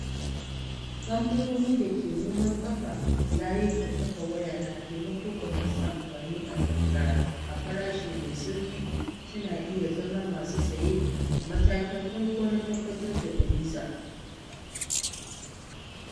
Kamfanoni da ke neman kafa layukan waya na taimako ga masu amfani a karkara a farashi mai sauƙi suna iya zama masu saye a matakin farko na haɓakar Uliza.